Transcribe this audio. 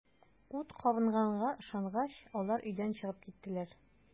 Ут кабынганга ышангач, алар өйдән чыгып киттеләр.